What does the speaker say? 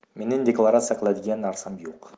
mening deklaratsiya qiladigan narsam yo'q